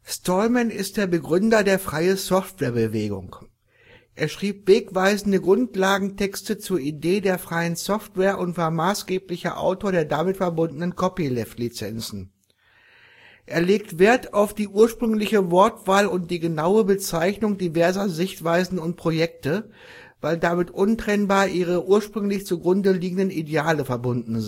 Stallman ist der Begründer der Freie-Software-Bewegung. Er schrieb wegweisende Grundlagentexte zur Idee der freien Software und war maßgeblicher Autor der damit verbundenen Copyleft-Lizenzen. Er legt Wert auf die ursprüngliche Wortwahl und die genaue Bezeichnung diverser Sichtweisen und Projekte, weil damit untrennbar ihre ursprünglich zugrundeliegenden Ideale verbunden